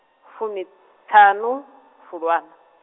fumiṱhanu, Fulwana.